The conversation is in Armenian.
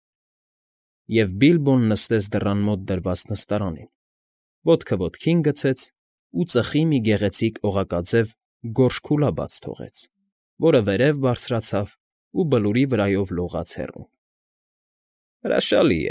Եվ Բիլբոն նստեց դռան մոտ դրված նստարանին, ոտքը ոտքին գցեց ու ծխի մի գեղեցիկ օղակաձև գորշ քուլա բաց թողեց, որը վերև բարձրացավ ու Բլուրի վրայով լողաց հեռուն։ ֊ Հրաշալի։